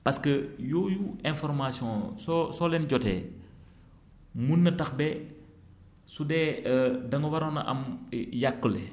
parce que yooyu information soo soo leen jotee mën na tax ba su dee da nga waroon a am yàqule